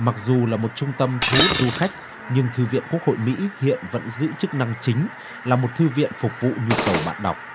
mặc dù là một trung tâm thu hút du khách nhưng thư viện quốc hội mỹ hiện vẫn giữ chức năng chính là một thư viện phục vụ nhu cầu bạn đọc